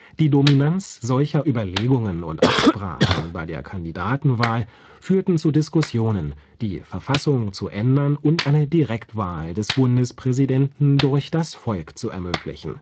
Die Dominanz solcher Überlegungen und Absprachen bei der Kandidatenauswahl führten zu Diskussionen, die Verfassung zu ändern und eine Direktwahl des Bundespräsidenten durch das Volk zu ermöglichen